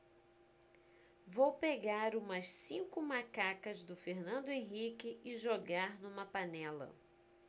vou pegar umas cinco macacas do fernando henrique e jogar numa panela